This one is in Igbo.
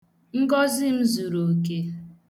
Ngọzị m zuru oke.